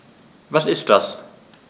Was ist das?